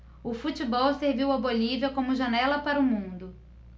o futebol serviu à bolívia como janela para o mundo